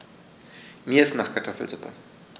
Mir ist nach Kartoffelsuppe.